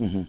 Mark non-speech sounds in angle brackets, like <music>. <hesitation> <hesitation>